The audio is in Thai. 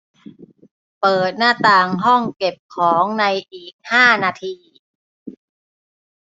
เปิดหน้าต่างห้องเก็บของในอีกห้านาที